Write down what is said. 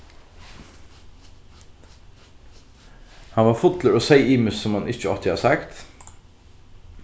hann var fullur og segði ymiskt sum hann ikki átti at sagt